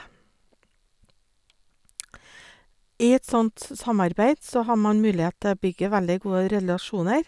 I et sånt samarbeid så har man mulighet til å bygge veldig gode relasjoner.